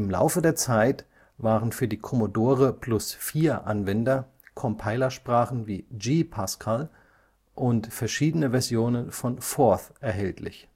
Laufe der Zeit waren für die Commodore-Plus/4-Anwender Compilersprachen wie G-Pascal und verschiedene Versionen von Forth erhältlich